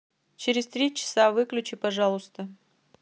через три часа выключи пожалуйста